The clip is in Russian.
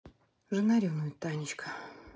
жена ревнует танечка